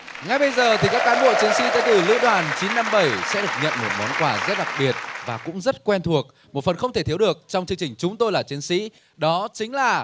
ngay bây giờ thì các cán bộ chiến sĩ sẽ từ lữ đoàn chín năm bảy sẽ được nhận một món quà rất đặc biệt và cũng rất quen thuộc một phần không thể thiếu được trong chương trình chúng tôi là chiến sĩ đó chính là